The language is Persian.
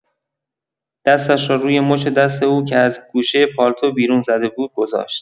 دستش را روی مچ دست او که از گوشه پالتو بیرون زده بود گذاشت.